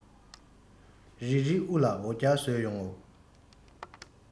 རིལ རིལ དབུ ལ འོ རྒྱལ བཟོས ཡོང ངོ